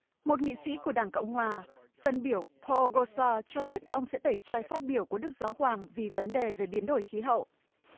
một nghị sĩ của đảng cộng hòa dân biểu pô gô xa cho biết ông sẽ tẩy chay phát biểu của đức giáo hoàng vì vấn đề về biến đổi khí hậu